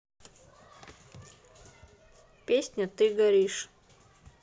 песня ты горишь